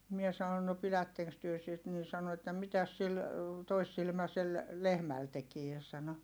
minä sanoin no pidättekös te sitä niin sanoi että mitäs sillä toissilmäisellä lehmällä tekee sanoi